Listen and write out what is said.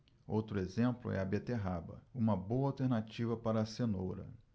outro exemplo é a beterraba uma boa alternativa para a cenoura